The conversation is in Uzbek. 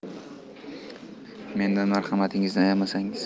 mendan marhamatingizni ayamasangiz